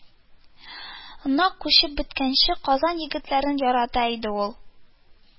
На күчеп беткәнче, казан егетләрен ярата иде ул»,